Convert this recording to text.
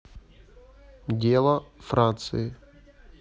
дело франции